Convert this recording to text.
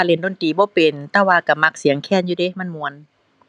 เล่นดนตรีบ่เป็น แต่ว่าก็มักเสียงแคนอยู่เดะ มันม่วน